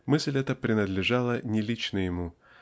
Мысль эта принадлежала не лично ему